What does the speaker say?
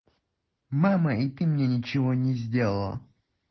мама и ты мне ничего не сделала